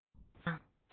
གཏོད དང